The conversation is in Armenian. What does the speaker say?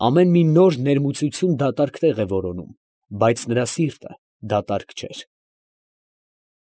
Ամեն մի նոր ներմուծություն դատարկ տեղ է որոնում, բայց նրա սիրտը դատարակ չէր…։